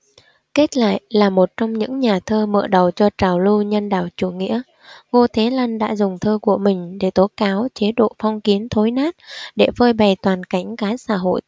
kết lại là một trong những nhà thơ mở đầu cho trào lưu nhân đạo chủ nghĩa ngô thế lân đã dùng thơ của mình để tố cáo chế độ phong kiến thối nát để phơi bày toàn cảnh cái xã hội